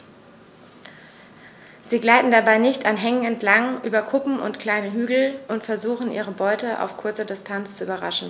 Sie gleiten dabei dicht an Hängen entlang, über Kuppen und kleine Hügel und versuchen ihre Beute auf kurze Distanz zu überraschen.